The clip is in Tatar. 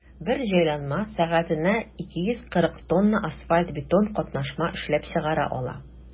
Бер җайланма сәгатенә 240 тонна асфальт–бетон катнашма эшләп чыгара ала.